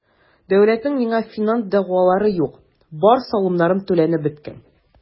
Дәүләтнең миңа финанс дәгъвалары юк, бар салымнарым түләнеп беткән.